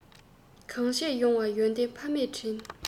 གང བྱས ཡོང བའི ཡོན ཏན ཕ མའི དྲིན